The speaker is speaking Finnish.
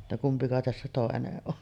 jotta kumpi tässä toinen on